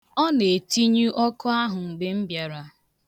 Ọ na-etinyụ ọkụ ahụ mgbe m bịara.